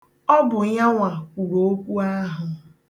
Ọ bụ yanwa kwuru okwu ahụ.